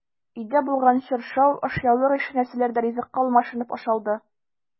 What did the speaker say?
Өйдә булган чаршау, ашъяулык ише нәрсәләр дә ризыкка алмашынып ашалды.